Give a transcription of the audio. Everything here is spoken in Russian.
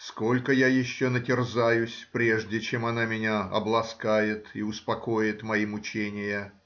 Сколько я еще натерзаюсь, прежде чем она меня обласкает и успокоит мои мучения?.